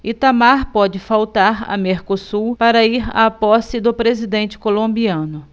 itamar pode faltar a mercosul para ir à posse do presidente colombiano